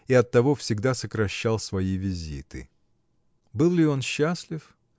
и оттого всегда сокращал свои визиты. Был ли он счастлив?